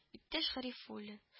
Иптәш гарифуллин